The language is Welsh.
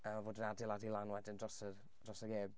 A fod e'n adeiladu lan wedyn dros yr... dros y gêm.